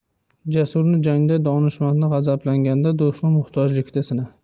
jasurni jangda donishmandni g'azablanganda do'stni muhtojlikda sina